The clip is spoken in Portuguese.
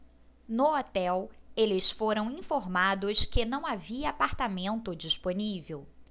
no hotel eles foram informados que não havia apartamento disponível